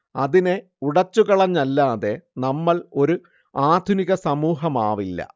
അതിനെ ഉടച്ചു കളഞ്ഞല്ലാതെ നമ്മൾ ഒരു ആധുനിക സമൂഹമാവില്ല